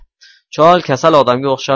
chol kasal odamga o'xshab